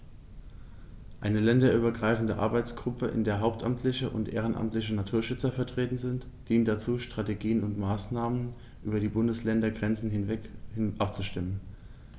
Eine länderübergreifende Arbeitsgruppe, in der hauptamtliche und ehrenamtliche Naturschützer vertreten sind, dient dazu, Strategien und Maßnahmen über die Bundesländergrenzen hinweg abzustimmen.